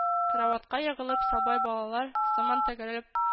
Караватка егылып сабай балалар сыман тәгәрәп